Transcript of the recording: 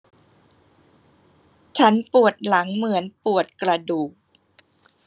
ฉันปวดหลังเหมือนปวดกระดูก